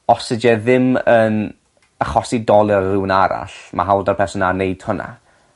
os ydi e ddim yn achosi dolur i rywun arall ma' hawl 'da'r person 'na neud hwnna.